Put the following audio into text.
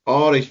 O reit.